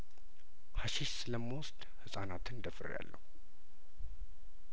ሀሺሽ ስለም ወስድ ህጻናትን ደ ፍሬ ያለሁ